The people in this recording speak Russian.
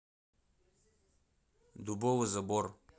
дубовый забор